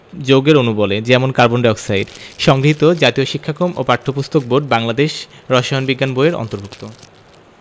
যৌগের অণু বলে যেমন কার্বন ডাই অক্সাইড সংগৃহীত জাতীয় শিক্ষাক্রম ও পাঠ্যপুস্তক বোর্ড বাংলাদেশ রসায়ন বিজ্ঞান বই এর অন্তর্ভুক্ত